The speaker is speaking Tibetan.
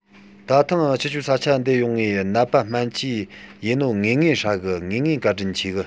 ད ཐེངས ཁྱེད ཆོ ས ཆ འདི ཡོང ངས ནད པ སྨན བཅོས ཡས ནོ ཧོན གི ཧྲ གི ངེས ངེས བཀའ དྲིན ཆེ གི